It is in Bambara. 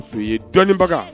Ye dɔnnibaga